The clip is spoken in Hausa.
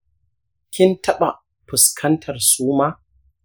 kin taba fuskantar suma?